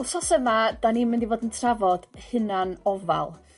Wsos yma 'dan ni'n mynd i fod yn trafod hunan ofal.